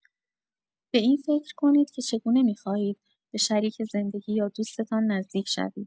به این فکر کنید که چگونه می‌خواهید به شریک زندگی یا دوستتان نزدیک شوید.